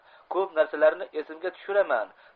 ko'p narsalarni esimga tushiraman